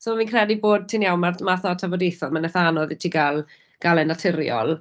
So fi'n credu bod ti'n iawn, ma'r math 'na o tafodieithoedd, mae'n itha anodd i ti gael, gael e'n naturiol.